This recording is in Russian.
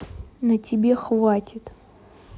на тебе хватит